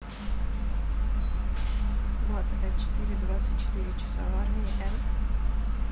влад а четыре двадцать четыре часа в армии and